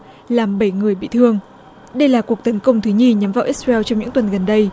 làm bảy người bị thương đây là cuộc tấn công thứ nhì nhắm vào x rao trong những tuần gần đây